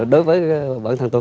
đối với bản thân tôi